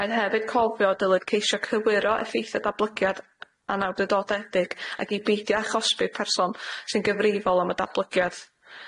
Rhaid hefyd cofio dylid ceisio cywiro effeithia' datblygiad anawdrydodedig ac i beidio â chosbi'r person sy'n gyfrifol am y datblygiad.